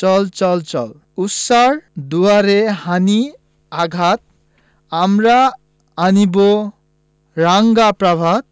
চল চল চল ঊষার দুয়ারে হানি' আঘাত আমরা আনিব রাঙা প্রভাত